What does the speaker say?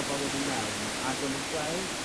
bobol ddod i mewn, ag o'n i'n gweld...